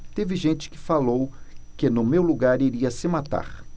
teve gente que falou que no meu lugar iria se matar